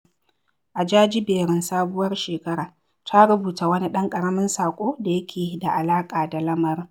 A jajiberin sabuwar shekara, ta rubuta wani ɗan ƙaramin saƙo da yake da alaƙa da lamarin.